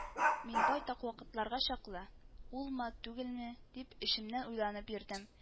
Мин байтак вакытларга чаклы улмы, түгелме? дип, эчемнән уйланып йөрдем